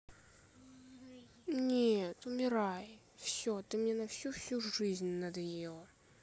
нет умирай все ты мне на всю всю жизнь надоело